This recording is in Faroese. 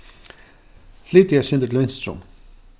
flyt teg eitt sindur til vinstru